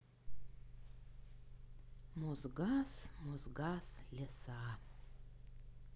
мосгаз мосгаз леса